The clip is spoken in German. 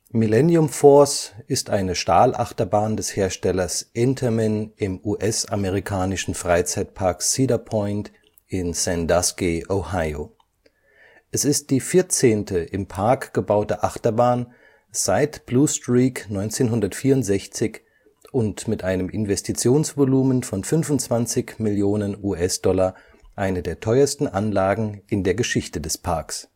Millennium Force ist eine Stahlachterbahn des Herstellers Intamin im US-amerikanischen Freizeitpark Cedar Point in Sandusky, Ohio. Es ist die vierzehnte im Park gebaute Achterbahn seit Blue Streak 1964 und mit einem Investitionsvolumen von 25 Millionen US-Dollar eine der teuersten Anlagen in der Geschichte des Parks